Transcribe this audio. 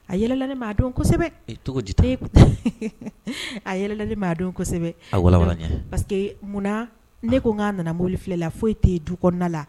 A yɛlɛlale don a yɛlɛlali maa don pa munna ne ko n'a nana mo filɛ la foyi tɛ du kɔnɔna la